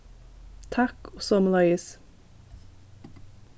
takk somuleiðis